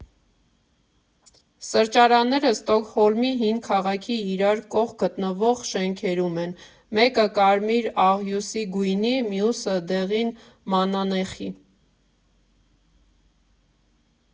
Սրճարանները Ստոկհոլմի հին քաղաքի իրար կողք գտնվող շենքերում են, մեկը՝ կարմիր աղյուսի գույնի, մյուսը՝ դեղին մանանեխի։